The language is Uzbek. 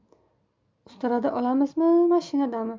ustarada olamizmi mashinadami